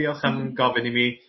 Diolch am gofyn i mi